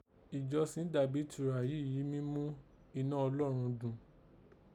Ìjọsìn dàbí tùràrí yìí mí mú inọ́ Ọlọ́run dùn